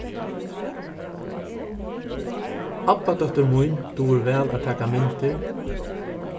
abbadóttir mín dugir væl at taka myndir